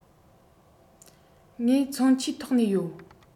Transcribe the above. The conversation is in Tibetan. ངས མཚོན ཆའི ཐོག ནས ཡོད